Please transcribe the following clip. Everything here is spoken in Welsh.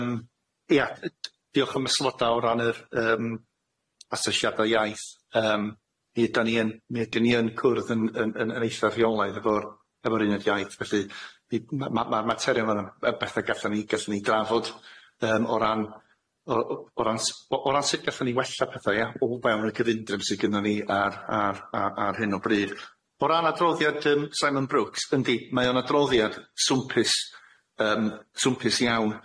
yym ia yy diolch am y sylwada o ran yr yym asesiada iaith yym mi ydan ni yn mi ydyn ni yn cwrdd yn yn yn yn eitha rheolaidd efo'r efo'r uned iaith felly ni ma' ma' ma'r materion fan'na yn betha gallan ni gallan ni drafod yym o ran o o ran s- o o ran sut gallan ni wella petha ia o fewn y cyfundrym sy gynnon ni ar ar ar ar hyn o bryd, o ran adroddiad yym Simon Brooks yndi mae o'n adroddiad swmpus yym swmpus iawn.